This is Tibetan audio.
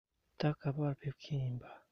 ད ག པར ཕེབས མཁན ཡིན ན